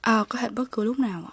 a có thể bất cứ lúc nào ạ